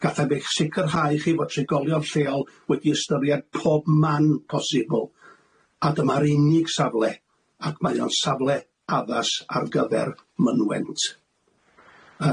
Gallaf eich sicrhau chi fod trigolion lleol wedi ystyried pob man posibl, a dyma'r unig safle, ac mae o'n safle addas ar gyfer mynwent.